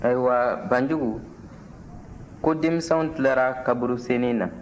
ayiwa banjugu ko denmisɛnw tilara kaburu senni na